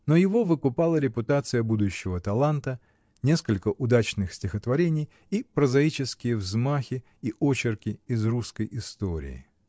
Но его выкупала репутация будущего таланта, несколько удачных стихотворений и прозаические взмахи и очерки из русской истории.